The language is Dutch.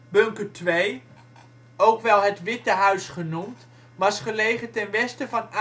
Bunker 2, ook wel het " witte huis " genoemd, was gelegen ten westen van